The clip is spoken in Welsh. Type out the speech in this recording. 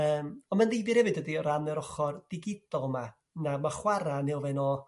Yrm ond ma'n ddifyr 'efyd dydy o ran yr ochr digidol 'ma, na ma' chwara'n elfen o